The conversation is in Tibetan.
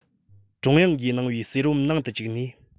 ཀྲུང དབྱང གིས གནང བའི གསེར བུམ ནང དུ བཅུག ནས